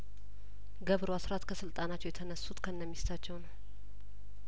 ገብሩ አስራት ከስልጣ ናቸው የተነሱት ከነ ሚስታቸው ነው